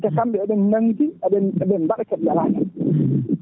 te kamɓe eɓe nanggui eɓe *